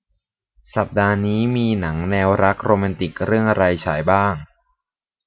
สัปดาห์นี้มีหนังแนวรักโรแมนติกเรื่องอะไรฉายบ้าง